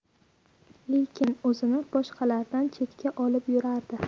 lekin o'zini boshqalardan chetga olib yurardi